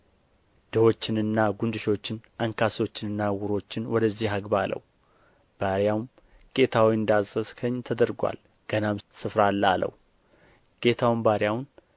ድሆችንና ጕንድሾችን አንካሶችንና ዕውሮችንም ወደዚህ አግባ አለው ባሪያውም ጌታ ሆይ እንዳዘዝኸኝ ተደርጎአል ገናም ስፍራ አለ አለው ጌታውም ባሪያውን